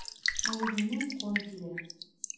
Авызыннан кан килә.